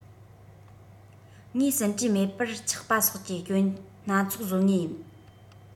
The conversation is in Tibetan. ངའི ཟིན བྲིས མེད པར ཆགས པ སོགས ཀྱི སྐྱོན སྣ ཚོགས བཟོ ངེས ཡིན